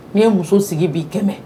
N'i ye muso sigi b'i kɛmɛ